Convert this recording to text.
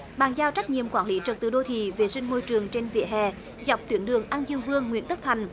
bàn giao trách nhiệm quản lý trật tự đô thị vệ sinh môi trường trên vỉa hè dọc tuyến đường an dương vương nguyễn tất thành